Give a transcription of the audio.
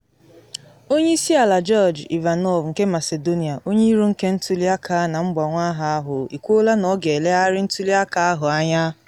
Onye Isi Ala Gjorge Ivanov nke Macedonia, onye iro nke ntuli aka na mgbanwe aha ahụ, ekwuola na ọ ga-eleghara ntuli aka ahụ anya.